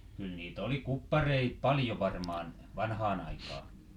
kyllä niitä oli kuppareita paljon varmaan vanhaan aikaan